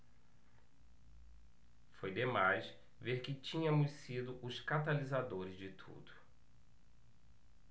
foi demais ver que tínhamos sido os catalisadores de tudo